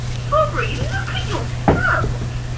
Sorry look at yourself!